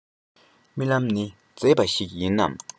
རྨི ལམ ནི མཛེས པ ཞིག ཡིན ནམ